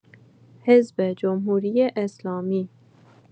حزب جمهوری‌اسلامی